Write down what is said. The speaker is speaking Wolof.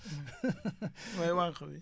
mooy wànq bi